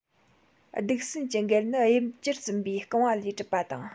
སྡིག སྲིན གྱི མགལ ནི དབྱིབས གྱུར ཟིན པའི རྐང བ ལས གྲུབ པ དང